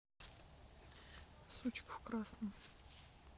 сучка в красном